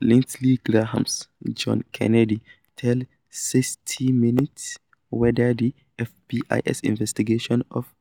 Lindsey Graham, John Kennedy tell "60 Minutes" whether the FBI's investigation of